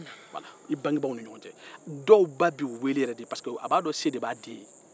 dɔw ba b'u weele de pariseke a b'a dɔn se b'a den ye